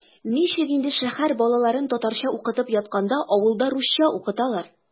Ничек инде шәһәр балаларын татарча укытып ятканда авылда русча укыталар?!